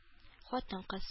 Хатын-кыз